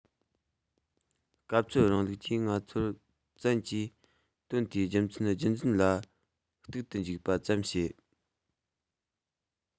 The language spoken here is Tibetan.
སྐབས འཚོལ རིང ལུགས ཀྱིས ང ཚོར བཙན གྱིས དོན དེའི རྒྱུ མཚན རྒྱུད འཛིན ལ གཏུག ཏུ འཇུག པ ཙམ བྱས